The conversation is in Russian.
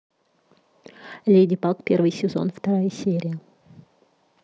леди баг первый сезон шестая серия